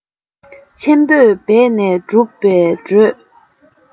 ཆེན པོས འབད ནས བསྒྲུབས པའི གྲོས